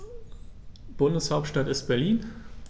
Bundeshauptstadt ist Berlin.